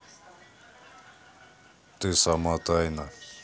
ты сама тайна